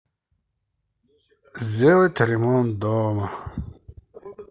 сделать ремонт дома